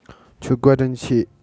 ཁྱོད བཀའ དྲིན ཆེ